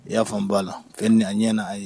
I y'a fɔ b'a la kɛ a ɲɛ naa ye